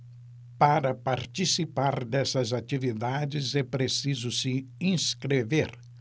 para participar dessas atividades é preciso se inscrever